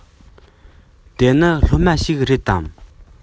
དེ ནི སློབ མ ཞིག རེད དམ